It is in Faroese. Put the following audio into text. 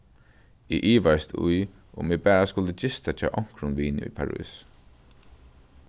eg ivaðist í um eg bara skuldi gista hjá onkrum vini í parís